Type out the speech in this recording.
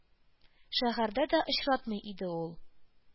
Шәһәрдә дә очратмый иде ул.